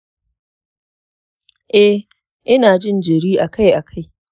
eh, ina jin jiri akai-akai